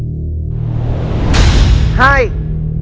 án hai